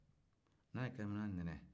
n'a ye kɛnɛmana nɛnɛ